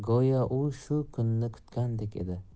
kunni kutgandek edi